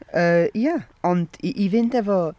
Yy, ie. Ond i- i fynd efo...